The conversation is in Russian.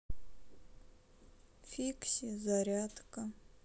фикси зарядка